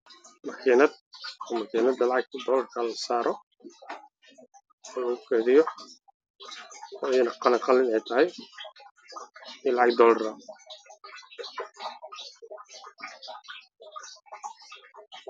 Meeshaan waxaa laga makiinad makiinadaasoo loogu talo galay in lacag lagu xisaabiyo waxaana saaran lacag fara badankeedana madow